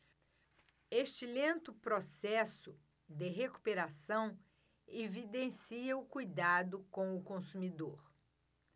este lento processo de recuperação evidencia o cuidado com o consumidor